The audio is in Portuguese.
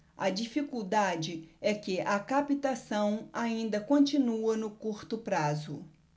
a dificuldade é que a captação ainda continua no curto prazo